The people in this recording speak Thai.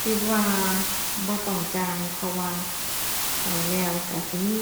คิดว่าบ่ต้องจ่าย เพราะว่าเฒ่าแล้วก็สิมี